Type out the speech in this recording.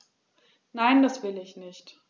Nein, das will ich nicht.